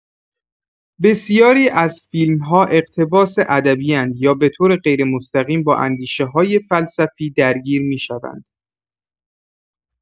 بسیاری از فیلم‌ها اقتباس ادبی‌اند یا به‌طور غیرمستقیم با اندیشه‌های فلسفی درگیر می‌شوند.